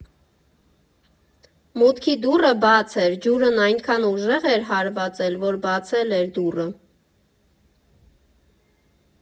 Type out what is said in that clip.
Մուտքի դուռը բաց էր, ջուրն այնքան ուժեղ էր հարվածել, որ բացել էր դուռը։